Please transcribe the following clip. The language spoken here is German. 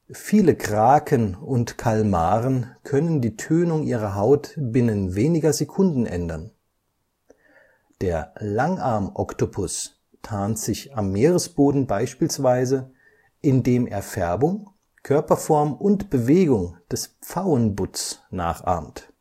Viele Kraken und Kalmaren können die Tönung ihrer Haut binnen weniger Sekunden ändern. Der Langarm-Oktopus Macrotritopus defilippi tarnt sich am Meeresboden beispielsweise, indem er Färbung, Körperform und Bewegung des Pfauenbutts Bothus lunatus nachahmt